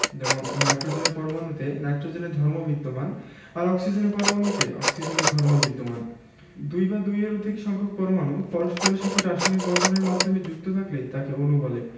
যেমন নাইট্রোজেনের পরমাণুতে নাইট্রোজেনের ধর্ম বিদ্যমান আর অক্সিজেনের পরমাণুতে অক্সিজেনের ধর্ম বিদ্যমান দুই বা দুইয়ের অধিক সংখ্যক পরমাণু পরস্পরের সাথে রাসায়নিক বন্ধন এর মাধ্যমে যুক্ত থাকলে তাকে অণু বলে